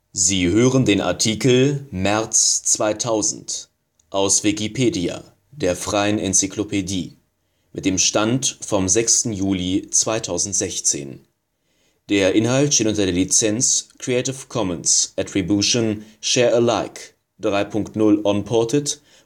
Sie hören den Artikel März 2000, aus Wikipedia, der freien Enzyklopädie. Mit dem Stand vom Der Inhalt steht unter der Lizenz Creative Commons Attribution Share Alike 3 Punkt 0 Unported